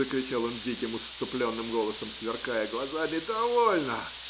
- закричал он диким, исступленным голосом, сверкая глазами. - Довольно!